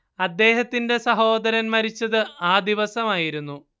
അദ്ദേഹത്തിന്റെ സഹോദരൻ മരിച്ചത് ആ ദിവസമായിരുന്നു